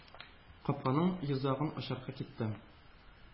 Капканың йозагын ачарга китте.